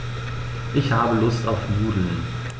Ich habe Lust auf Nudeln.